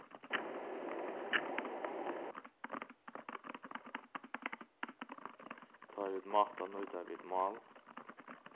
tá vit máta nýta vit mál